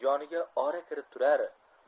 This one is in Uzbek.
joniga ora kirib turar